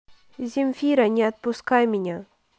земфира не отпускай меня